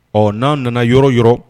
Ɔ n'a nana yɔrɔ yɔrɔ